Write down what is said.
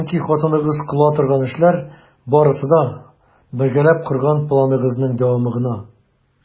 Чөнки хатыныгыз кыла торган эшләр барысы да - бергәләп корган планыгызның дәвамы гына!